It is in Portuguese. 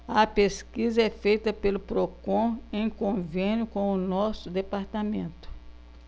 a pesquisa é feita pelo procon em convênio com o diese